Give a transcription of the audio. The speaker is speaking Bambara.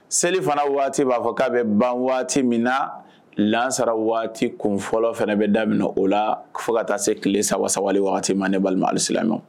Selifana waati b'a fɔ k' aa bɛ ban waati min na lasara waati kun fɔlɔ fana bɛ daminɛmin o la fo ka taa se tile saba ma ne balimasi